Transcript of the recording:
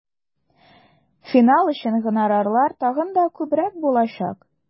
Финал өчен гонорарлар тагын да күбрәк булачак.